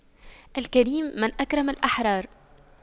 الكريم من أكرم الأحرار